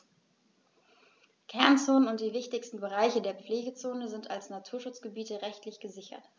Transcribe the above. Kernzonen und die wichtigsten Bereiche der Pflegezone sind als Naturschutzgebiete rechtlich gesichert.